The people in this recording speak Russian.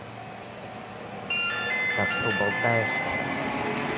так что болтаешься